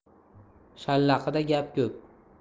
shallaqida gap ko'p